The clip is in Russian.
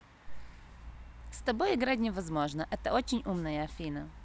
с тобой играть невозможно это очень умная афина